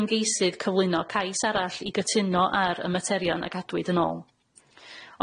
ymgeisydd cyflwyno cais arall i gytuno ar y materion a cadwyd yn ôl.